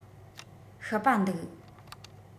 ཤི པ འདུག